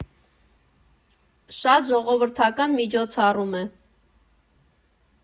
Շատ ժողովրդական միջոցառում է։